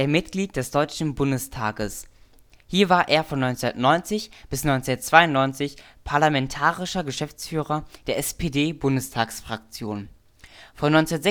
Mitglied des Deutschen Bundestages. Hier war er von 1990 bis 1992 Parlamentarischer Geschäftsführer der SPD-Bundestagsfraktion. Von 1996